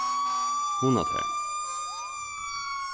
hugna tær